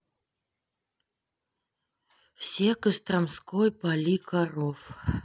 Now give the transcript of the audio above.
все костромской поли коров